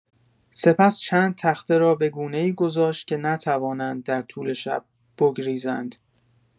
سپس چند تخته را به گونه‌ای گذاشت که نتوانند در طول شب بگریزند.